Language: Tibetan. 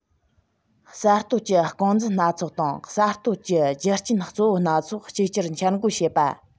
གསར གཏོད ཀྱི རྐང འཛིན སྣ ཚོགས དང གསར གཏོད ཀྱི རྒྱུ རྐྱེན གཙོ བོ སྣ ཚོགས གཅིག གྱུར འཆར འགོད བྱེད པ